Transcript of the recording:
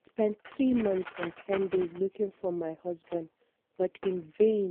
We spent three months and ten days looking for my husband, but in vain ...